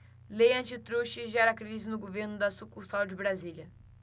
lei antitruste gera crise no governo da sucursal de brasília